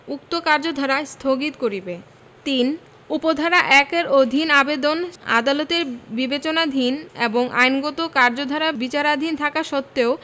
উক্ত কার্যধারা স্থগিত করিবে ৩ উপ ধারা ১ এর অধীন আবেদন আদালতের বিবেচনাধীন এবং আইনগত কার্যধারা বিচারাধীন থাকা সত্ত্বেও